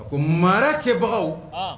Ko marakɛbagaw